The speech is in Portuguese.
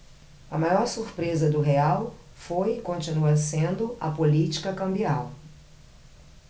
a maior surpresa do real foi e continua sendo a política cambial